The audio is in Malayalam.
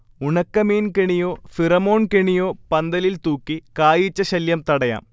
ഉണക്കമീൻ കെണിയോ, ഫിറമോൺ കെണിയോ പന്തലിൽ തൂക്കി കായീച്ചശല്യം തടയാം